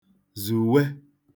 zùwe